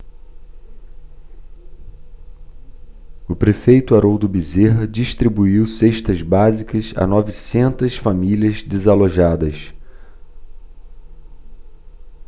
o prefeito haroldo bezerra distribuiu cestas básicas a novecentas famílias desalojadas